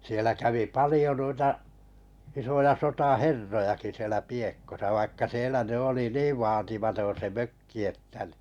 siellä kävi paljon noita isoja sotaherrojakin siellä Piekossa vaikka siellä nyt oli niin vaatimaton se mökki että niin